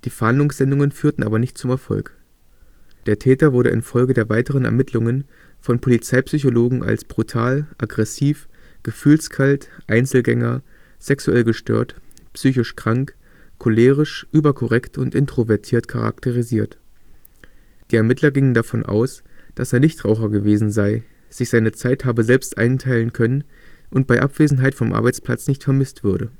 Fahndungssendungen führten aber nicht zum Erfolg. Der Täter wurde infolge der weiteren Ermittlungen von Polizeipsychologen als brutal, aggressiv, gefühlskalt, Einzelgänger, sexuell gestört, psychisch krank, cholerisch, überkorrekt und introvertiert charakterisiert. Die Ermittler gingen davon aus, dass er Nichtraucher gewesen sei, sich seine Zeit habe selbst einteilen können und bei Abwesenheit vom Arbeitsplatz nicht vermisst würde